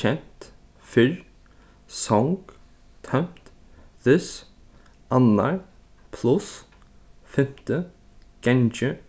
kent fyrr song tómt this annar pluss fimti gangi